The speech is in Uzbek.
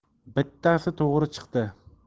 bittasi to'g'ri chiqdi